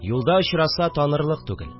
Юлда очраса танырлык түгел